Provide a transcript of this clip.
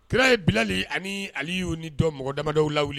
Kira ye bilali ani ali'u ni dɔn mɔgɔ dama la